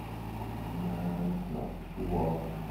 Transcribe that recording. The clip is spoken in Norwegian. Og han er snart to år.